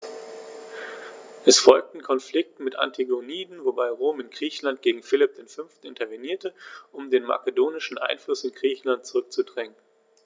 Es folgten Konflikte mit den Antigoniden, wobei Rom in Griechenland gegen Philipp V. intervenierte, um den makedonischen Einfluss in Griechenland zurückzudrängen.